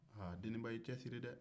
aa deniba i cɛsiri dɛ